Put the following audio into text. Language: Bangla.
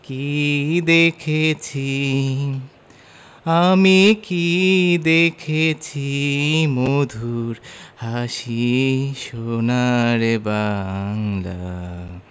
কী দেখসি আমি কী দেখেছি মধুর হাসি সোনার বাংলা